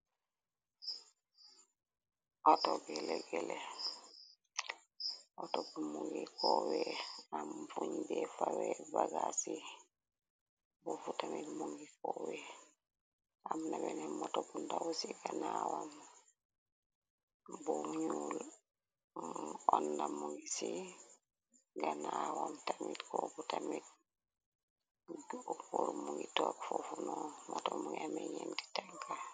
Oeeatop mu ngi kowee am fuñ be fawe baga si bo putamit mu ngi kowee am na bene motopu ndaw ci ganawam bu muñul onnamu ngi ci ganawam tamit ko butamit ukur mu ngi took fofuno moto mu g meñen ti tanka.